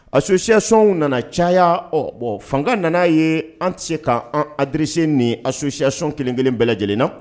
A sososɛyasinw nana caya ɔ bon fanga nana a ye an tɛ se k ka an adrise ni a sosoyasin kelenkelen bɛɛ lajɛlen na